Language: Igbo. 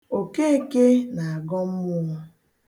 Okeke na-agọ mmụọ.